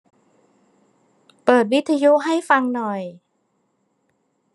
เปิดวิทยุให้ฟังหน่อย